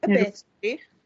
Y beth sori?